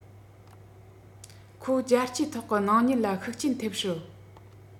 ཁོ རྒྱལ སྤྱིའི ཐོག གི སྣང བརྙན ལ ཤུགས རྐྱེན ཐེབས སྲིད